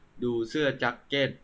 ดูเสื้อแจ็คเก็ต